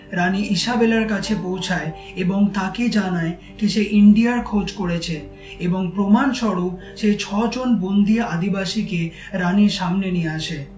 রানী ইসাবেলার কাছে পৌঁছায় এবং তাকে জানায় যে সে ইন্ডিয়ার খোঁজ করেছে এবংপ্রমান স্বরূপ সে ছজন বন্দী আদিবাসী কে রানীর সামনে নিয়ে আসে